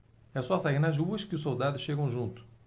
é só sair nas ruas que os soldados chegam junto